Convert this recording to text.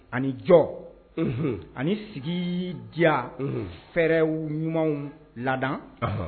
Ani jɔ ani sigi diya fɛrɛɛrɛw ɲumanw la